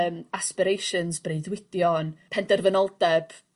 yym aspirations breuddwydio 'yn penderfynoldeb